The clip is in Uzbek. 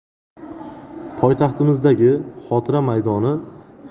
poytaxtimizdagi xotira maydoni